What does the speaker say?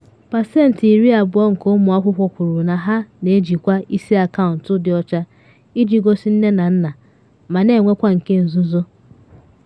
Pasentị iri abụọ nke ụmụ akwụkwọ kwuru na ha na ejikwa “isi” akaụntụ dị ọcha iji gosi nne na nna, ma na enwekwa nke nzuzo.